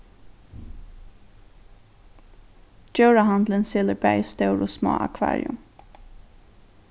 djórahandilin selur bæði stór og smá akvarium